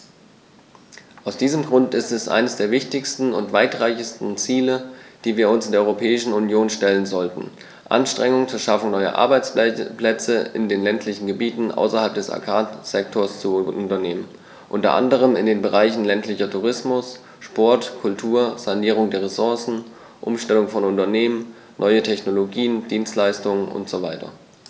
Aus diesem Grund ist es eines der wichtigsten und weitreichendsten Ziele, die wir uns in der Europäischen Union stellen sollten, Anstrengungen zur Schaffung neuer Arbeitsplätze in den ländlichen Gebieten außerhalb des Agrarsektors zu unternehmen, unter anderem in den Bereichen ländlicher Tourismus, Sport, Kultur, Sanierung der Ressourcen, Umstellung von Unternehmen, neue Technologien, Dienstleistungen usw.